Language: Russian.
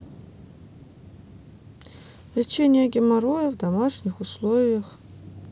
лечение геморроя в домашних условиях